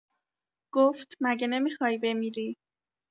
گفت مگه نمیخوای بمیری؟